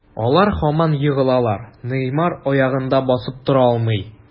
Алар һаман егылалар, Неймар аягында басып тора алмый.